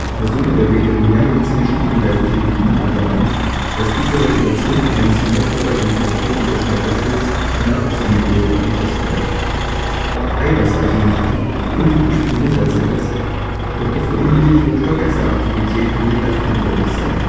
Versuche der Veterinärmedizinischen Universität Wien ergaben, dass diese Regulationsmechanismen der Körpertemperatur und des Stoffwechsels vom Nahrungsangebot beeinflusst werden. Eiweißreiche Nahrung, die untypisch für die Winterzeit ist, könnte für unnötig hohe Stoffwechselaktivität im Winter verantwortlich sein